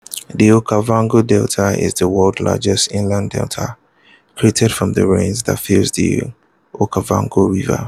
The Okavango Delta is the world's largest inland delta, created from the rains that fill the Okavango River.